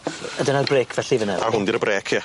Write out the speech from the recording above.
A dyna'r brêc felly fyn 'na? A hwn 'di'r brêc ie.